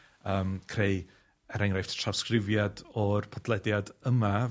yym creu, er enghraifft, trawsgrifiad o'r podlediad yma